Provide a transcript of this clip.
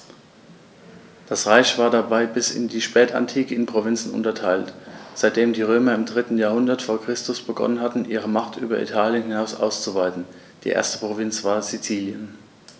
Das Reich war dabei bis in die Spätantike in Provinzen unterteilt, seitdem die Römer im 3. Jahrhundert vor Christus begonnen hatten, ihre Macht über Italien hinaus auszuweiten (die erste Provinz war Sizilien).